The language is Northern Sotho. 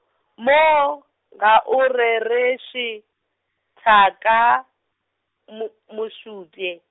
moo, ga o rereše, thaka, mo Mošupje.